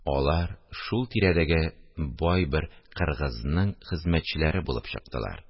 Алар шул тирәдәге бай бер кыргызның хезмәтчеләре булып чыктылар